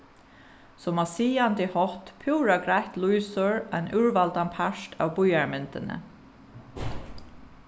sum á sigandi hátt púra greitt lýsir ein úrvaldan part av býarmyndini